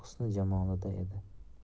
husni jamolida edi